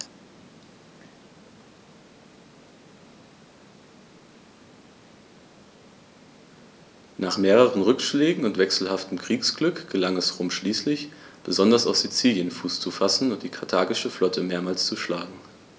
Nach mehreren Rückschlägen und wechselhaftem Kriegsglück gelang es Rom schließlich, besonders auf Sizilien Fuß zu fassen und die karthagische Flotte mehrmals zu schlagen.